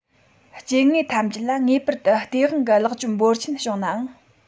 སྐྱེ དངོས ཐམས ཅད ལ ངེས པར དུ སྟེས དབང གི བརླག བཅོམ འབོར ཆེན བྱུང ནའང